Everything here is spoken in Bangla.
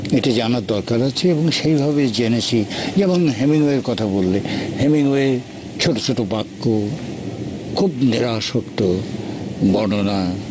এটা জানার দরকার আছে এবং সেই ভাবেই জেনেছি যেমন হেমিং বইয়ের কথা বললে হেমিংওয়ে ছোট ছোট বাক্য খুব নিরাসক্ত বর্ণনা